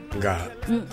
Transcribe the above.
Nka